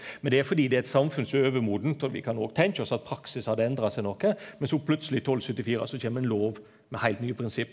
men det er fordi det er eit samfunn som er overmodent og vi kan òg tenkje oss at praksis hadde endra seg noko, men so plutseleg i 1274 så kjem ein lov med heilt nye prinsipp.